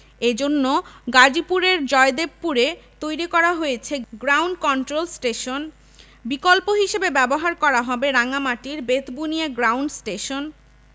এ জন্য গাজীপুরের জয়দেবপুরে তৈরি করা হয়েছে গ্রাউন্ড কন্ট্রোল স্টেশন বিকল্প হিসেবে ব্যবহার করা হবে রাঙামাটির বেতবুনিয়া গ্রাউন্ড স্টেশন